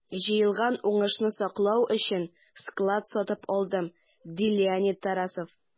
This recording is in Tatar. Җыелган уңышны саклау өчен склад сатып алдым, - ди Леонид Тарасов.